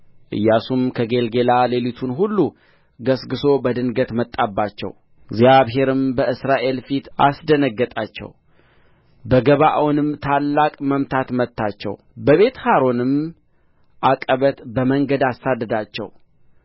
ኢያሱም ከጌልገላ ሌሊቱን ሁሉ ገሥግሦ በድንገት መጣባቸው እግዚአብሔርም በእስራኤል ፊት አስደነገጣቸው በገባዖንም ታላቅ መምታት መታቸው በቤትሖሮንም ዐቀበት በመንገድ አሳደዳቸው